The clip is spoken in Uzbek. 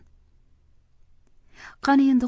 qani endi